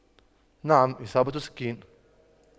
نعم اصابة سكين